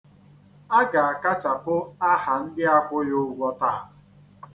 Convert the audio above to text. A ga-akachapụ aha ndị akwụghị ụgwọ taa.